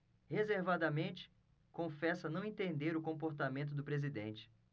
reservadamente confessa não entender o comportamento do presidente